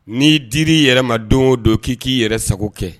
Ni diri yɛrɛ ma don o don ki ki yɛrɛ sago kɛ.